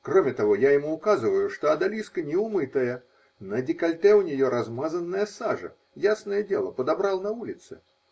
кроме того, я ему указываю, что одалиска неумытая, на декольте у нее размазанная сажа: ясное дело, подобрал на улице.